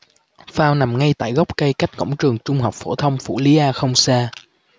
phao nằm ngay tại gốc cây cách cổng trường trung học phổ thông phủ lý a không xa